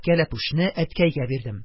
Кәләпүшне әткәйгә бирдем.